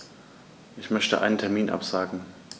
Ich möchte einen Termin absagen.